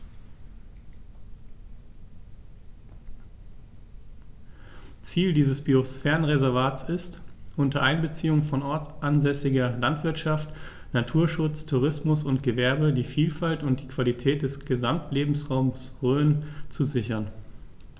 Ziel dieses Biosphärenreservates ist, unter Einbeziehung von ortsansässiger Landwirtschaft, Naturschutz, Tourismus und Gewerbe die Vielfalt und die Qualität des Gesamtlebensraumes Rhön zu sichern.